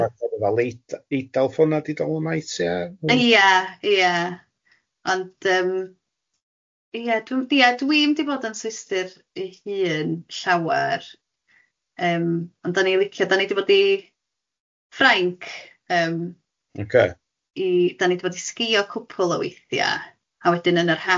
Ma goro fel Eidal- Eidal ffona di Dolomite... Ia ia ia ond ymm ia dwi'n ia dwi'm di bod yn swistir ei hun llawar ymm ond dan ni'n licio dan ni di bod i Ffrainc. ....Ymm ocê ...i dan ni di bod i sgïo cwpl o weithiau a wedyn yn yr ha-